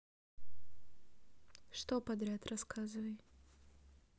что подряд рассказывай